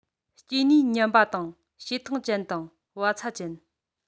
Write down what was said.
སྐྱེ ནུས ཉམས པ དང བྱེ ཐང ཅན དང བ ཚྭ ཅན